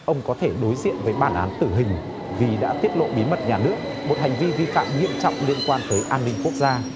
ông có thể đối diện với bản án tử hình vì đã tiết lộ bí mật nhà nước một hành vi vi phạm nghiêm trọng liên quan tới an ninh quốc gia